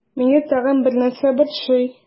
Мине тагын бер нәрсә борчый.